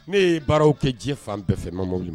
Ne ye baaraw kɛ diɲɛ fan bɛɛ fɛ . N ma